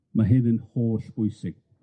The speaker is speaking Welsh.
Ma' hyn yn hollbwysig.